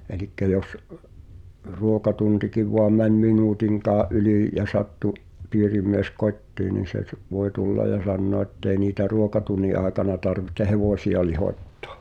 eli jos ruokatuntikin vain meni minuutinkaan yli ja sattui piirimies kotiin niin se - voi tulla ja sanoa että ei niitä ruokatunnin aikana tarvitse hevosia lihottaa